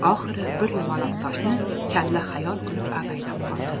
oxiri bir yumaloq toshni kalla xayol qilib avaylab oldi